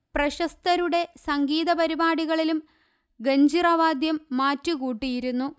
പ്രശസ്തരുടെ സംഗീത പരിപാടികളിലും ഗഞ്ചിറവാദ്യം മാറ്റുകൂട്ടിയിരുന്നു